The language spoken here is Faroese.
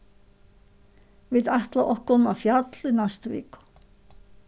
vit ætla okkum á fjall í næstu viku